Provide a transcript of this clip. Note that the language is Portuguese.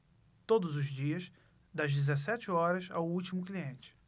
todos os dias das dezessete horas ao último cliente